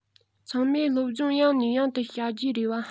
ཚང མས སློབ སྦྱོང ཡང ནས ཡང དུ བྱ རྒྱུའི རེ བ